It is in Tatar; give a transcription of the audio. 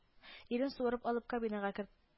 Ирен суырып алып кабинага тартып керт